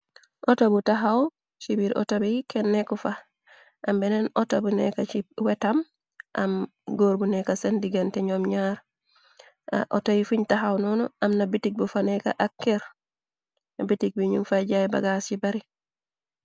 Auto bu taxaw ci biir auto bi kenn nekku fax am beneen auto bu nekka ci wetam am góor bu nekka seen digan te ñoom ñaar auto yi fuñ taxaw noonu am na bitik bu fa nekka ak kër bitik bi ñu fay jaay bagaas ci bari.